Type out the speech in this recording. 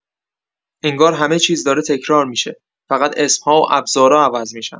انگار همه چیز داره تکرار می‌شه، فقط اسم‌ها و ابزارا عوض می‌شن.